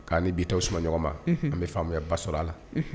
K'a ni bi s sumaɔgɔ ma an bɛ faamuyaya ba sɔrɔ a la